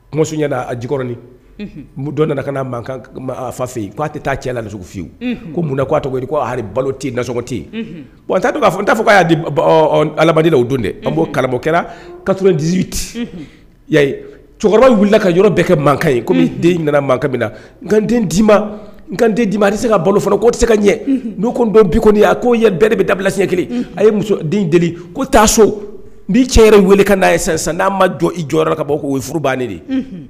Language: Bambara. Ko jikin dɔn nana ka fa fɛ yen k'a tɛ taa cɛs fiye mundaa tɔgɔ balo tɛ nasɔnɔgɔ tɛ wa ta b'a fɔ n' fɔ o don dɛ an b'o kala kɛra ka dise yayi cɛkɔrɔbaw wulila ka yɔrɔ bɛɛ kɛ mankan ye kɔmi den nana min na' ma nden'i ma tɛ se ka balo ko tɛ se ka ɲɛ n'u ko dɔn bi kɔni a k'o ye bɛɛ de bɛ dabilasiɲɛ kelen a ye muso den deli ko taa so ni cɛ yɛrɛ weele ka n'a ye sisan n'a ma jɔ i jɔyɔrɔ ka bɔ koo ye furu bannen de